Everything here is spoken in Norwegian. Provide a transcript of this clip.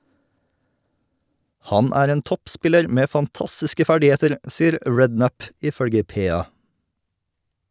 Han er en toppspiller med fantastiske ferdigheter, sier Redknapp, ifølge PA.